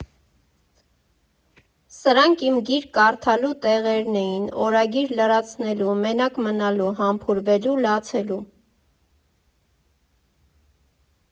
Սրանք իմ գիրք կարդալու տեղերն էին, օրագիր լրացնելու, մենակ մնալու, համբուրվելու, լացելու։